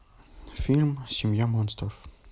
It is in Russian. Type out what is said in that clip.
фильм семья монстров